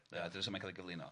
Dyma sud mae'n ca'l ei gyflwyno.